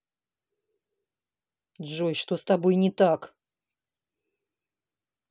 джой что с тобой не так